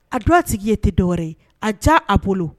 A dɔn a tigi ye tɛ dɔ wɛrɛ ye a diya a bolo.